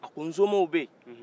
a ko nsomɔgɔw bɛ ye